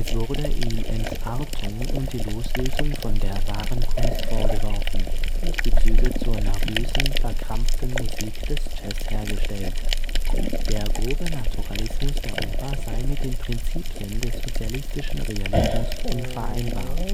wurde ihm Entartung und die Loslösung von der „ wahren Kunst “vorgeworfen und Bezüge zur „ nervösen “,„ verkrampften “Musik des Jazz hergestellt. Der grobe Naturalismus der Oper sei mit den Prinzipien des sozialistischen Realismus unvereinbar